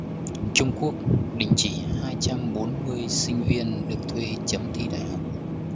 trung quốc đình chỉ hai trăm bốn mươi sinh viên được thuê chấm thi đại học